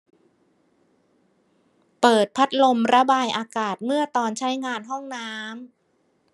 เปิดพัดลมระบายอากาศเมื่อตอนใช้งานห้องน้ำ